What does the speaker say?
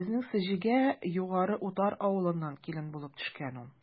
Безнең Сеҗегә Югары Утар авылыннан килен булып төшкән ул.